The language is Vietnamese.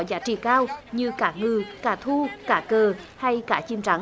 giá trị cao như cá ngừ cá thu cá cờ hay cá chim trắng